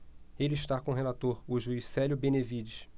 ele está com o relator o juiz célio benevides